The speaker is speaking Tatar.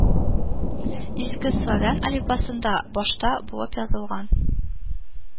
Иске славян әлфбасында башта булып язылган